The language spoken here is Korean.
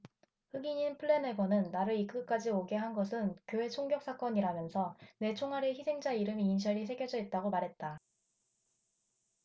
흑인인 플래내건은 나를 이 끝까지 오게 한 것은 교회 총격사건이라면서 내 총알에 희생자 이름 이니셜이 새겨져 있다고 말했다